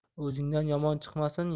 o'zingdan yomon chiqmasin